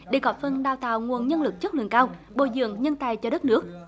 để góp phần đào tạo nguồn nhân lực chất lượng cao bồi dưỡng nhân tài cho đất nước